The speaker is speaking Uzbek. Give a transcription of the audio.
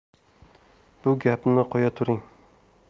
bu gapni qo'ya turing